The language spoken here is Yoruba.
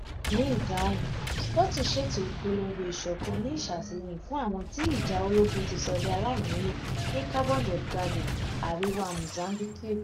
Ní ìdáhùn, Sporting ṣètò ìpolongo ìṣọ̀kan ní ìṣàtilẹyìn fún àwọn tí ìjà ológun ti sọ di aláìnílé ní Cabo Delgado, àríwá Mozambique.